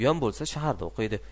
uyam bo'lsa shaharda o'qiydi